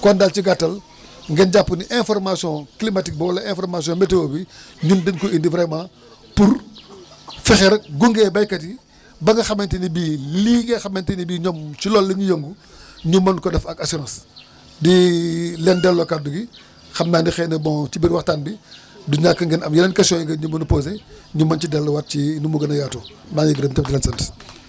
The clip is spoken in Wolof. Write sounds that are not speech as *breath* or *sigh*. kon daal ci gàttal *breath* ngeen jàpp ne information climatique bi wala information météo bi *breath* ñun dañu ko indi vraiment pour fexe rek gunge béykat yi ba nga xamante ni bi lii nga xamante ne bi ñoom ci loolu la ñuy yëngu *breath* ñu mën ko def ak assurance di *hesitation* leen delloo kaddu gi xam naa ni xëy na bon ci biir waxtaan bi *breath* du ñàkk ngeen am yeneen questions :frayu ngeen ñu mën a posé ñu mën si delloo waat ci nu mu gën a yaatoo maa ngi leen di gërëm tamit di leen sant *applause*